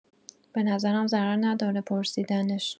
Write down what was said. به نظرم ضرر نداره پرسیدنش